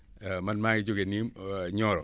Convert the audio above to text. man maa ngi jugee nii Nioro